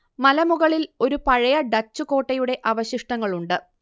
മലമുകളിൽ ഒരു പഴയ ഡച്ച് കോട്ടയുടെ അവശിഷ്ടങ്ങൾ ഉണ്ട്